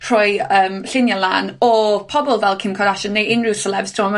rhoi yym llunie lan o pobol fel Kim Kardashian neu unryw sylebs t'mo' ma'